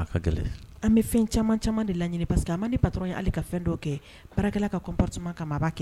Caman caman de la paseke an pa ka fɛn dɔw kɛ kama kama b kɛ